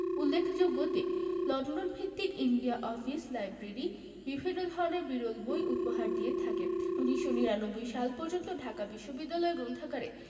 উল্লেখযোগ্য দিক লন্ডন ভিত্তিক ইন্ডিয়া অফিস লাইব্রেরি বিভিন্ন ধরনের বিরল বই উপহার দিয়ে থাকে ১৯৯৯ সাল পর্যন্ত ঢাকা বিশ্ববিদ্যালয় গ্রন্থাগারে